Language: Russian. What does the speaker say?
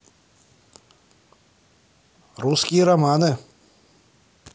русские романы